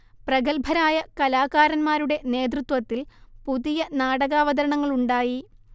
പ്രഗല്ഭരായ കലാകാരന്മാരുടെ നേതൃത്വത്തിൽ പുതിയ നാടകാവതരണങ്ങളുണ്ടായി